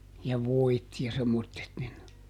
ja voit ja semmoiset niin